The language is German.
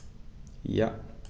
Ja.